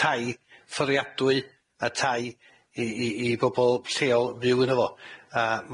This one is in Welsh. tai fforddradwy a tai i i i bobol lleol fyw yno fo a